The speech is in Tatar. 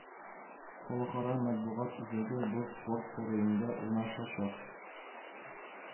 Халыкара матбугат үзәге Боз спорт сараенда урнашачак